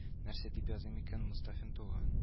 Нәрсә дип языйм икән мостафин туган